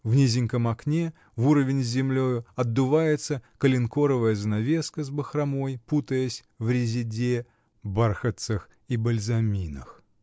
в низеньком окне, в уровень с землею, отдувается коленкоровая занавеска с бахромой, путаясь в резеде, бархатцах и бальсаминах.